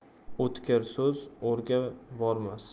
o'tirik so'z o'rga bormas